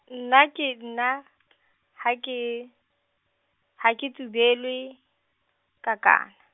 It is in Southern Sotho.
nna ke nna , ha ke, ha ke tsubelwe, kakana.